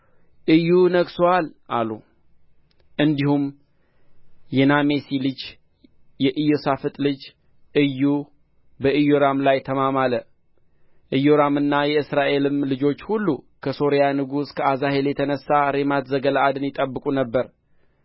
ኢዩ ነግሦአል አሉ እንዲሁም የናሜሲ ልጅ የኢዮሣፍጥ ልጅ ኢዩ በኢዮራም ላይ ተማማለ ኢዮራምና የእስራኤል ልጆች ሁሉ ከሶርያ ንጉሥ ከአዛሄል የተነሣ ሬማት ዘገለዓድን ይጠብቁ ነበር